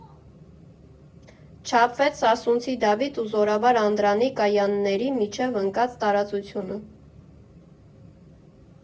Չափվեց «Սասունցի Դավիթ» ու «Զորավար Անդրանիկ» կայանների միջև ընկած տարածությունը։